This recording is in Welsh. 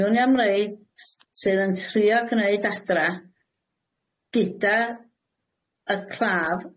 Mi wn i am rei s- sydd yn trio gneud adra gyda y claf